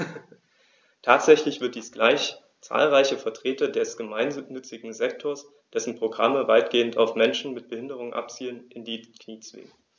Tatsächlich wird dies gleich zahlreiche Vertreter des gemeinnützigen Sektors - dessen Programme weitgehend auf Menschen mit Behinderung abzielen - in die Knie zwingen.